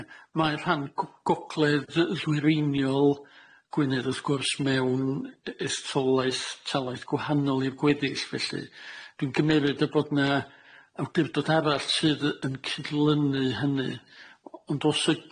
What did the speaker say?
Ie mae rhan Gogledd yy Dwyreiniol Gwynedd wrth gwrs mewn e- etholais talaith gwahanol i'r gweddill felly dwi'n gymeryd y bod na awdurdod arall sydd yy yn cynlynu hynny ond os yd-